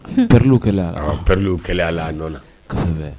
Riliw priliw a la ɲɔgɔn